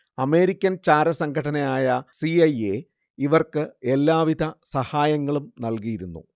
American ചാരസംഘടനയായ C. I. A. ഇവർക്ക് എല്ലാവിധ സഹായങ്ങളും നൽകിയിരുന്നു